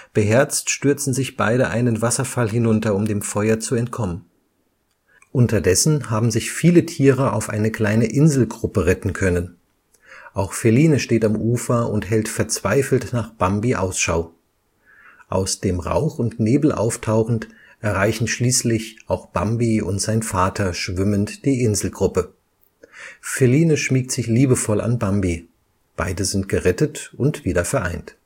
Beherzt stürzen sich beide einen Wasserfall hinunter, um dem Feuer zu entkommen. Unterdessen haben sich viele Tiere auf eine kleine Inselgruppe retten können. Auch Feline steht am Ufer und hält verzweifelt nach Bambi Ausschau. Aus dem Rauch und Nebel auftauchend, erreichen schließlich auch Bambi und sein Vater schwimmend die Inselgruppe. Feline schmiegt sich liebevoll an Bambi. Beide sind gerettet und wieder vereint